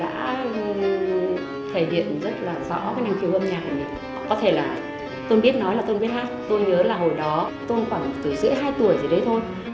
đã thể hiện rất là rõ cái năng khiếu âm nhạc của mình có thể là tôn biết nói là tôn biết hát tôi nhớ là hồi đó tôn khoảng tuổi rưỡi hai tuổi gì đấy thôi